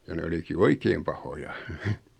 ja ne olikin oikein pahoja